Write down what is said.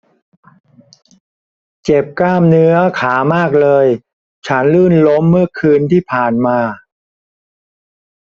เจ็บกล้ามเนื้อขามากเลยฉันลื่นล้มเมื่อคืนที่ผ่านมา